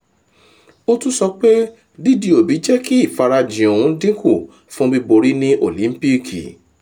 Ó tún sọ pé dídi òbí jẹ́ kí ìfarajìn òun dínkù fún bíborí ní Òlíńpìkì.